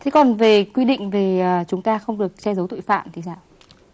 thế còn về quy định về à chúng ta không được che giấu tội phạm thì sao